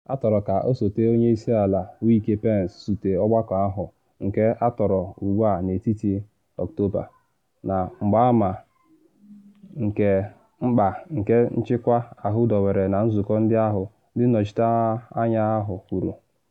Atọrọ ka Osote Onye Isi Ala Mike Pence zute ọgbakọ ahụ, nke atọrọ ugbu a na etiti-Ọktoba, na mgbama nke mkpa nke nchịkwa ahụ dowere na nzụkọ ndị ahụ, ndị nnọchite anya ahụ kwuru.